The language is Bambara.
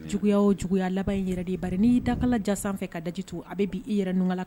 Juguya o juguyaya laban in yɛrɛ de ba n'i da kala jan sanfɛ kaji to a bɛ bi i yɛrɛ nkala la